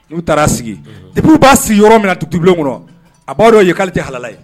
N'u taara sigi unhun dépuis u b'a sigi yɔrɔ minna tu tu blen kɔnɔ a b'a dɔn ye k'ale tɛ halala ye